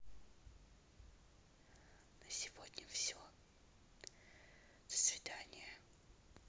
на сегодня все до свидания